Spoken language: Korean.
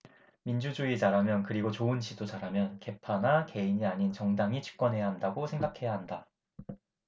민주주의자라면 그리고 좋은 지도자라면 계파나 개인이 아닌 정당이 집권해야 한다고 생각해야 한다